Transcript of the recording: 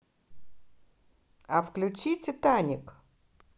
а включи титаник